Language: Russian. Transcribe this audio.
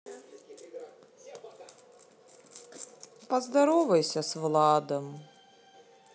поздоровайся с владом